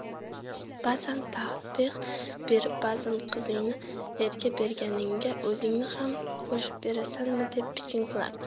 ba'zan tanbeh berib ba'zan qizingni erga berganingda o'zingni ham qo'shib berasanmi deb piching qilardi